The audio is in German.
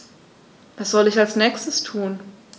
Was soll ich als Nächstes tun?